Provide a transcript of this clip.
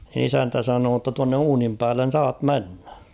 isäntä sanoi jotta tuonne uunin päälle saat mennä